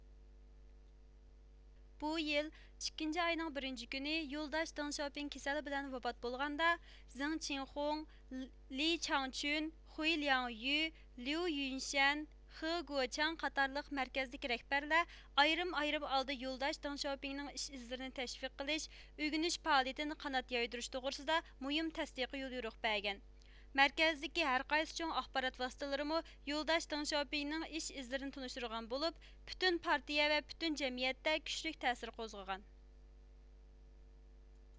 بۇ يىل ئىككىنچى ئاينىڭ بىرىنچى كۈنى يولداش دېڭپىڭشاۋ كېسەل بىلەن ۋاپات بولغاندا زېڭچىڭخۇڭ لىچاڭچۈن خۇيلياڭيۈ ليۇيۈنشەن خېگوچىياڭ قاتارلىق مەركەزدىكى رەھبەرلەر ئايرىم ئايرىم ھالدا يولداش دېڭپىڭشاۋنىڭ ئىش ئىزلىرىنى تەشۋىق قىلىش ئۆگىنىش پائالىيىتىنى قانات يايدۇرۇش توغرىسىدا مۇھىم تەستىقىي يوليورۇق بەرگەن مەركەزدىكى ھەرقايسى چوڭ ئاخبارات ۋاسىتىلىرىمۇ يولداش دېڭپىڭشاۋنىڭ ئىش ئىزلىرىنى تونۇشتۇرغان بولۇپ پۈتۈن پارتىيە ۋە پۈتۈن جەمئىيەتتە كۈچلۈك تەسىر قوزغىغان